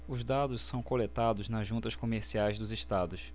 os dados são coletados nas juntas comerciais dos estados